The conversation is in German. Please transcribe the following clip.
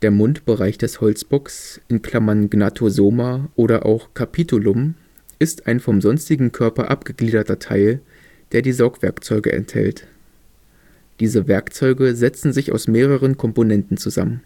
Mundbereich des Holzbocks (Gnathosoma oder auch Capitulum) ist ein vom sonstigen Körper abgegliederter Teil, der die Saugwerkzeuge enthält. Diese Werkzeuge setzen sich aus mehreren Komponenten zusammen